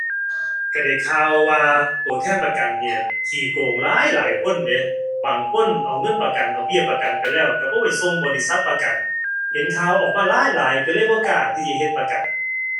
ก็ได้ข่าวว่าก็แทนประกันเนี่ย ขี้โกงหลายหลายคนเดะ บางคนเอาเงินประกันเอาเบี้ยประกันไปแล้วก็บ่ไปส่งบริษัทประกันเห็นข่าวออกมาหลายหลายก็เลยบ่กล้าที่สิเฮ็ดประกัน